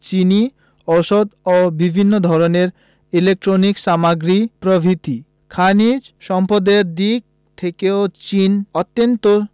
চিনি ঔষধ ও বিভিন্ন ধরনের ইলেকট্রনিক্স সামগ্রী প্রভ্রিতি খনিজ সম্পদের দিক থেকেও চীন অত্যান্ত